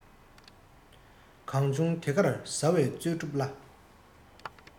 གང བྱུང དེ གར ཟ བས རྩོལ སྒྲུབ སླ